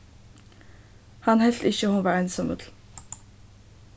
hann helt ikki at hon var einsamøll